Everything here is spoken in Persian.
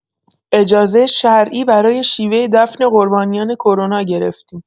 اجازه شرعی برای شیوه دفن قربانیان کرونا گرفتیم.